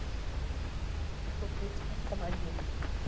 купить автомобиль